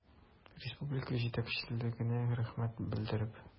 Республика җитәкчелегенә рәхмәт белдереп.